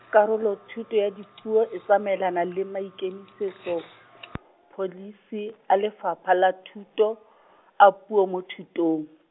Karolothuto ya Dipuo e tsamaelana le maikemisetsopholisi, a Lefapha la Thuto, a puo mo thutong.